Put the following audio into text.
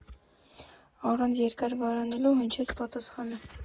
Առանց երկար վարանելու հնչեց պատասխանը.